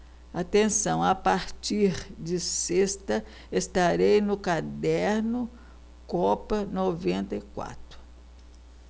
atenção a partir de sexta estarei no caderno copa noventa e quatro